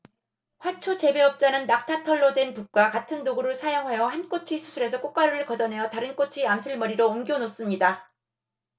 화초 재배업자는 낙타털로 된 붓과 같은 도구를 사용하여 한 꽃의 수술에서 꽃가루를 걷어 내어 다른 꽃의 암술머리로 옮겨 놓습니다